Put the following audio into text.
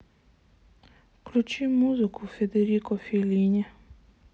включи музыку федерико феллини